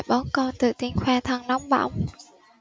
bốn con tự tin khoe thân nóng bỏng